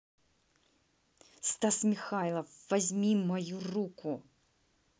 стас михайлов возьми мою руку